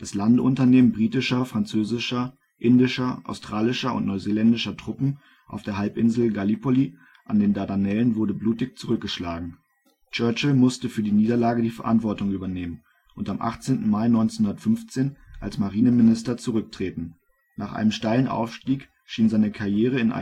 Landeunternehmen britischer, französischer, indischer, australischer und neuseeländischer Truppen auf der Halbinsel Gallipoli an den Dardanellen wurde blutig zurückgeschlagen. Churchill musste für die Niederlage die Verantwortung übernehmen und am 18. Mai 1915 als Marineminister zurücktreten. Nach einem steilen Aufstieg schien seine Karriere in